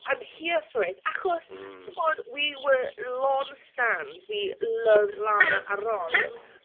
I'm here for it. Achos dwi'n gwybod we were Lon stans. We loved Lana a Ron.